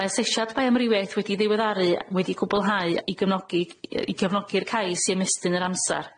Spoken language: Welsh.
Mae aseshiad baioamrywiaeth wedi ddiweddaru wedi cwblhau i gyfnogi i gyfnogi'r cais i ymestyn yr amsar.